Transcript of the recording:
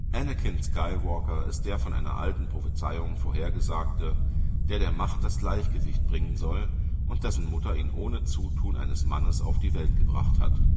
Anakin Skywalker ist der von einer alten Propheszeiung Vorhergesagte, der der Macht das Gleichgewicht bringen soll und dessen Mutter ihn ohne Zutun eines Mannes auf die Welt gebracht hat